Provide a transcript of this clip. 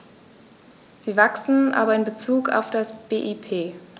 Sie wachsen, aber in bezug auf das BIP.